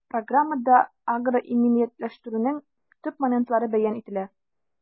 Программада агроиминиятләштерүнең төп моментлары бәян ителә.